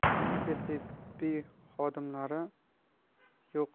tez tibbiy xodimlari yo'q